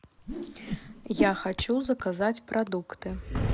я хочу заказать продукты